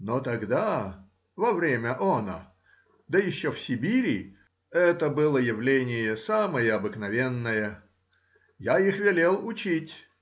Но тогда,— во время оно, да еще в Сибири,— это было явление самое обыкновенное. Я их велел учить